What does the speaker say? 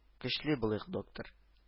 Чле булыйк, доктор… ша